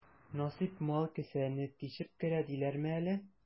Насыйп мал кесәне тишеп керә диләрме әле?